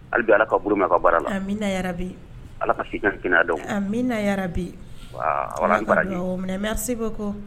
Halibi ala ka bolo min ka baara la a bi ala dɔn a bi mɛ se bɛ kɔ